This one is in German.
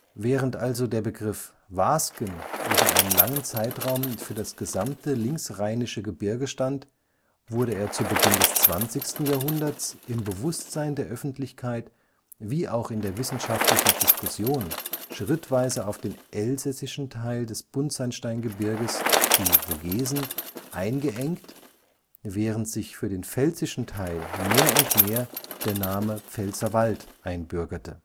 Während also der Begriff Wasgen über einen langen Zeitraum für das gesamte linksrheinische Gebirge stand, wurde er zu Beginn des 20. Jahrhunderts im Bewusstsein der Öffentlichkeit wie auch in der wissenschaftlichen Diskussion schrittweise auf den elsässischen Teil des Buntsandsteingebirges (Vogesen) eingeengt, während sich für den pfälzischen Teil mehr und mehr der Name Pfälzerwald einbürgerte